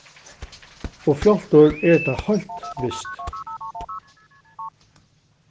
og fjáltur er tað heilt vist